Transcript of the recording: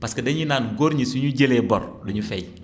parce que dañuy naan góor ñi suñu jëlee bor du ñu fay